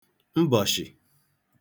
mbọshị